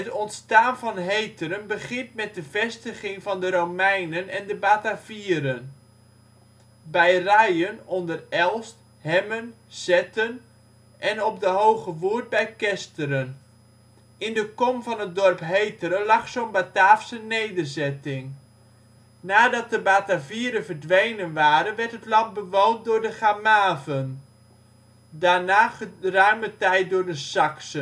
ontstaan van Heteren begint met de vestiging van de Romeinen en de Batavieren bij Rayen onder Elst, Hemmen, Zetten en op de Hoge Woerd bij Kesteren. In de kom van het dorp Heteren lag zo’ n Bataafse nederzetting. Nadat de Batavieren verdwenen waren werd het land bewoond door de Chamaven, daarna geruime tijd door de Saksen